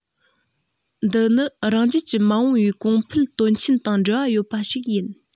འདི ནི རང རྒྱལ གྱི མ འོངས པའི གོང འཕེལ དོན ཆེན དང འབྲེལ བ ཡོད པ ཞིག ཡིན